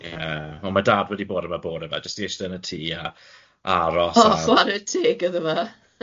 Ie, ond ma' dad wedi bod yma bore 'ma jys i eiste yn y tŷ a aros a...e O chwarae teg iddo fe!